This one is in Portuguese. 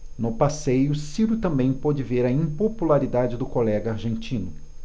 no passeio ciro também pôde ver a impopularidade do colega argentino